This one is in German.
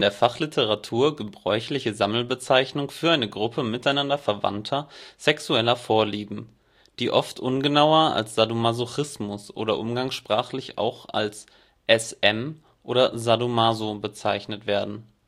Fachliteratur gebräuchliche Sammelbezeichnung für eine Gruppe miteinander verwandter sexueller Vorlieben, die oft ungenauer als Sadomasochismus oder umgangssprachlich auch als SM oder Sado-Maso bezeichnet werden